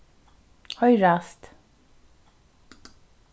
hoyrast